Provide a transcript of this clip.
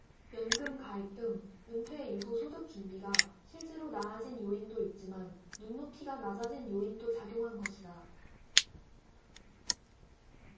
연금 가입 등 은퇴 이후 소득 준비가 실제로 나아진 요인도 있지만 눈높이가 낮아진 요인도 작용한 것이다